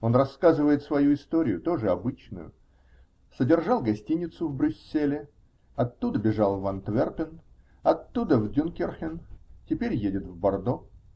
Он рассказывает свою историю, тоже обычную: содержал гостиницу в Брюсселе, оттуда бежал в Антверпен, оттуда в Дюнкирхен, теперь едет в Бордо